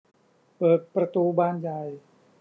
เปิดประตูบานใหญ่